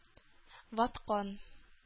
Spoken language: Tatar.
Ваткан